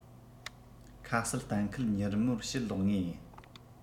ཁ གསལ གཏན འཁེལ མྱུར མོར ཕྱིར ལོག ངེས ཡིན